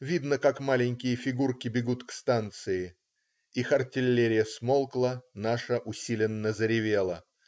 Видно, как маленькие фигурки бегут к станции. Их артиллерия смолкла. Наша усиленно заревела.